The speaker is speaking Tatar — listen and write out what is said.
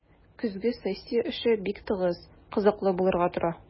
Көзге сессия эше бик тыгыз, кызыклы булырга тора.